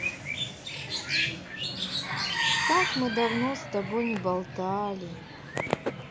как мы давно с тобой не болтали